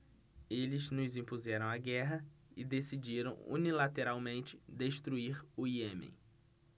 eles nos impuseram a guerra e decidiram unilateralmente destruir o iêmen